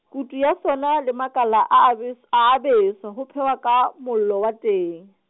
kutu ya sona le makala a a bes-, a a beswa, ho phehwa ka mollo wa teng.